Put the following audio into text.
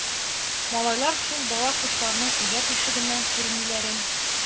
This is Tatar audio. Малайлар шул бала кошларның оя тишегеннән күренүләрен